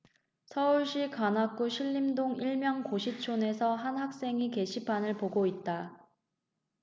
서울 관악구 신림동 일명 고시촌에서 한 학생이 게시판을 보고 있다